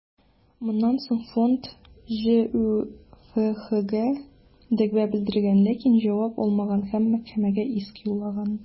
Моннан соң фонд ҖҮФХгә дәгъва белдергән, ләкин җавап алмаган һәм мәхкәмәгә иск юллаган.